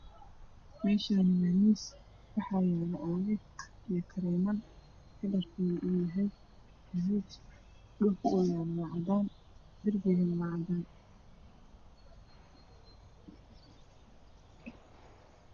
Meeshaan waa miis. waa. yaalo macaamiir iyo kareeman calarkoodu. yahay. gaduud dhulku.uu yahay cadaan darbiguna oo yahay cadaan